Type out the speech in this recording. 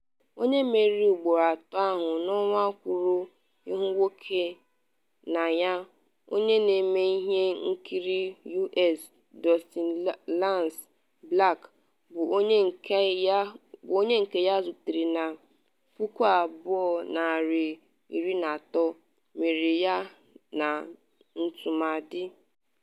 Onye mmeri ugboro atọ ahụ n’ụwa kwuru na ịhụ nwoke n’anya - onye na-eme ihe nkiri US, Dustin Lance Black, bụ onye nke ya zutere na 2013 - “mere ya na ntụmadị.”